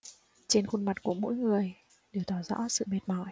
trên khuôn mặt của mỗi người đều tỏ rõ sự mệt mỏi